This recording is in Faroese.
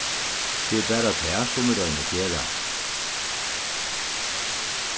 tað er bara tað sum vit royna at gera